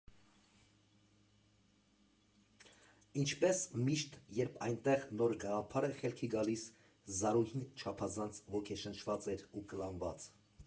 Ինչպես միշտ, երբ այնտեղ նոր գաղափար է խելքի գալիս, Զարուհին չափազանց ոգեշնչված էր ու կլանված։